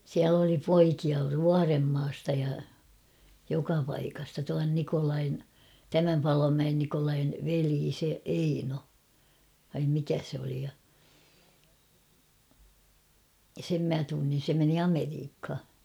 siellä oli poikia Vuorenmaasta ja joka paikasta tuon Nikolain tämän Palomäen Nikolain veli se Eino vai mikä se oli ja sen minä tunsin se meni Amerikkaan